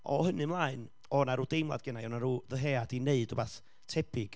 o hynny mlaen, oedd 'na rwy deimlad gynna i, oedd na ryw ddyheuad i wneud rywbeth tebyg,